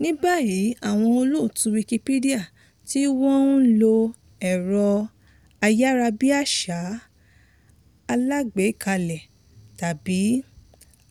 Ní báyìí àwọn olóòtú Wikipedia tí wọ́n ń lo ẹ̀rọ ayárabíàsá alágbèékalẹ̀ tàbí